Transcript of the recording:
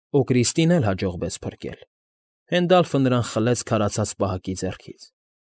Օրկրիստին էլ հաջողվեց փրկել. Հենդալֆը նրան խլեց քարացած պահակի ձեռքից։